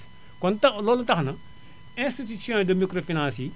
kon tax loolu tax na intitution de microfinance yi